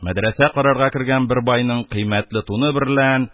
Мәдрәсә карарга кергән бер байның кыйммәтле туны берлән